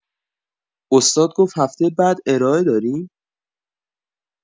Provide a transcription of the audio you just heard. استاد گفت هفته بعد ارائه داریم؟